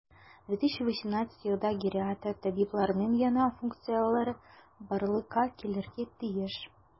2018 елда гериатр табибларның яңа функцияләре барлыкка килергә тиеш.